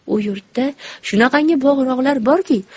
u yurtda shunaqangi bog' rog'lar borki